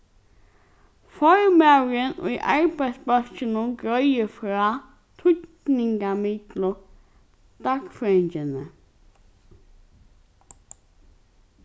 formaðurin í arbeiðsbólkinum greiðir frá týdningarmiklu dagføringini